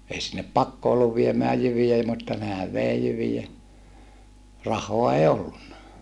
ei sinne pakko ollut viemään jyviä ei mutta nehän vei jyviä rahaa ei ollut